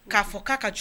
Ka fɔ ka ka cogo